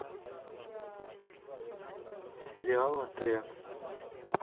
сериал отряд